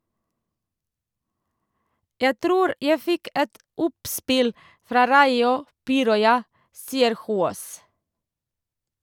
- Jeg tror jeg fikk et oppspill fra Raio Piiroja, sier Hoås.